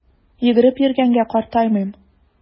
Йөгереп йөргәнгә картаймыйм!